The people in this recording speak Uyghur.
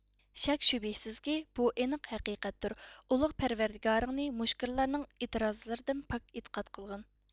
شەك شۈبھىسىزكى بۇ ئېنىق ھەقىقەتتۇر ئۇلۇغ پەرۋەردىگارىڭنى مۇشرىكلارنىڭ ئېتىرازلىرىدىن پاك ئېتىقاد قىلغىن